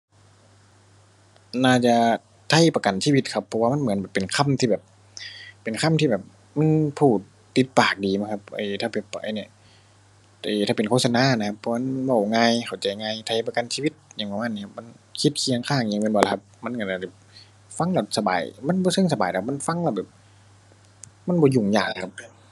น่าจะไทยประกันชีวิตครับ เพราะว่ามันเหมือนเป็นคำที่แบบ เป็นคำที่แบบมันพูดติดปากดีเนาะครับ เอ่ย ถ้าแบบ ไอ้นี่ เอ่ย ถ้าเป็นโฆษณาน่ะครับ เพราะมันเว้าง่าย เข้าใจง่าย ไทยประกันชีวิต อิหยังประมาณนี้ครับ มัน คิดเคียงข้างอิหยังแม่นบ่ล่ะครับ มันก็น่าจะฟังแล้วสบาย มันบ่เชิงสบายดอกครับ มันฟังแล้วแบบ มันบ่ยุ่งยากน่ะครับ